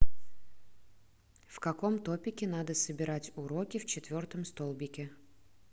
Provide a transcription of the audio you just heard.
в каком топике надо собирать уроки в четвертом столбике